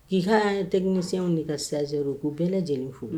K'i ka tɛgsiw de ka sri ko bɛɛ lajɛlen fo